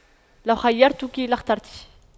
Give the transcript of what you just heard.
لو خُيِّرْتُ لاخترت